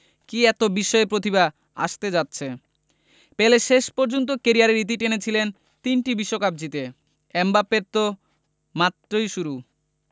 কী এত বিস্ময় প্রতিভা আসতে যাচ্ছে পেলে শেষ পর্যন্ত ক্যারিয়ারের ইতি টেনেছিলেন তিনটি বিশ্বকাপ জিতে এমবাপ্পেরত মাত্রই শুরু